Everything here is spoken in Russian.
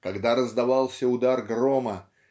когда раздавался удар грома